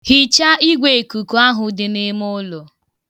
Hichaa igweikuku ahụ dị n'ime ụlọ.